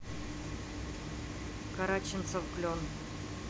караченцов клен